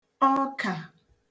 ọkà